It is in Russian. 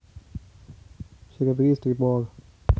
серебряный бор